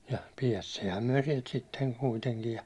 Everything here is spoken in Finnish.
ja päästiinhän me sieltä sitten kuitenkin ja